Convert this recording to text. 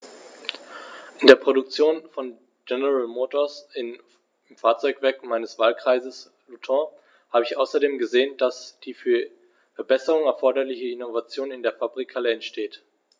In der Produktion von General Motors, im Fahrzeugwerk meines Wahlkreises Luton, habe ich außerdem gesehen, dass die für Verbesserungen erforderliche Innovation in den Fabrikhallen entsteht.